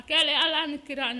Kɛlen ala ni kira an